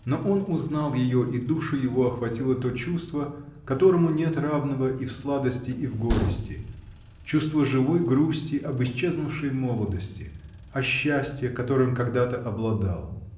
но он узнал ее, и душу его охватило то чувство, которому нет равного и в сладости и в горести, -- чувство живой грусти об исчезнувшей молодости, о счастье, которым когда-то обладал.